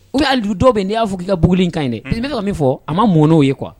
U y'adu dɔ in de y'a fɔ' i kaugulenkan ɲi dɛ p bɛ ka min fɔ a ma mɔn'o ye kuwa